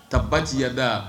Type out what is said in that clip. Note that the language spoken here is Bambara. Ta ban ciyada